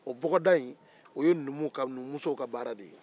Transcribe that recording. o bɔgɔdaga in o ye numuw ka numumuso ka baara de ye